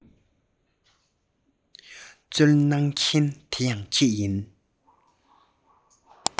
བསྩོལ གནང མཁན དེ ཡང ཁྱེད ཡིན